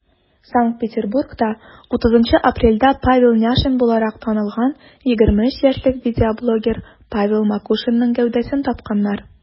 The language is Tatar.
Санкт-Петербургта 30 апрельдә Павел Няшин буларак танылган 23 яшьлек видеоблогер Павел Макушинның гәүдәсен тапканнар.